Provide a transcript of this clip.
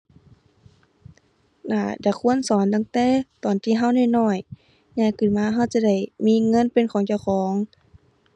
น่าจะควรสอนตั้งแต่ตอนที่เราน้อยน้อย ใหญ่ขึ้นมาเราจะได้มีเงินเป็นของเจ้าของ